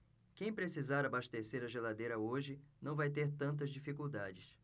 quem precisar abastecer a geladeira hoje não vai ter tantas dificuldades